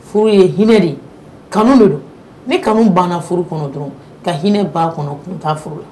Furu ye hinɛ de ye kanu de don ne kanu banna furu kɔnɔ dɔrɔn ka hinɛ kɔnɔ kun' foro